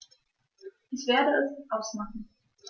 Ich werde es ausmachen